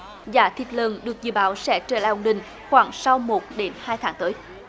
giá thịt lợn được dự báo sẽ trở lại ổn định khoảng sau một đến hai tháng tới